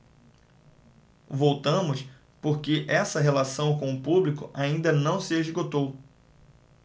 voltamos porque essa relação com o público ainda não se esgotou